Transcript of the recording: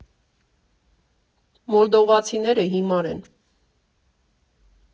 Մոլդովացիները հիմար են։